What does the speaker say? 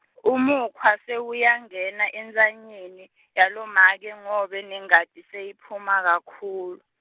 umukhwa sewuyangena entsanyeni, yalomake ngobe nengati seyiphuma kakhulu.